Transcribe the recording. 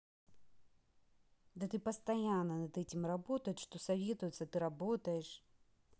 да ты постоянно над этим работают что советуется ты работаешь